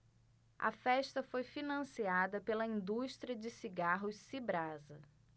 a festa foi financiada pela indústria de cigarros cibrasa